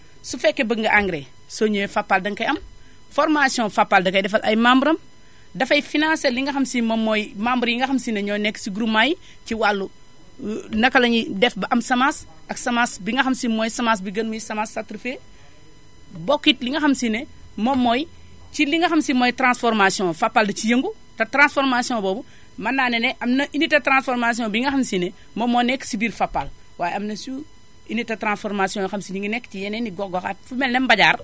su fekkee bëgg nga engrais soo ñëwee Fapal danga koy am formation Fapal dakoy defal ay membres am dafay financé li nga xam si moom mooy membres yi nga xam si ne ñooy nekk si groupement yi ci wàllu naka lañuy def ba am semence ak semence bi nga xam si mooy semence bi gën muy semence certifiée bokk it li nga xam si ne moom mooy ci li nga xam si ne mooy transformation Fapal da ciy yëngu te transformation boobu mën naa ne ne am na unité de transformation bi nga xam si ne moom moo nekk si biir Fapal waaye am suunité transformation yoo xam si ne ñi ngi nekk ci yeneen i gox goxaat fu mel ne Mbajaar